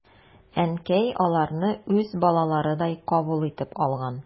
Әнкәй аларны үз балаларыдай кабул итеп алган.